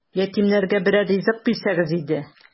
Ятимнәргә берәр ризык бирсәгез иде! ..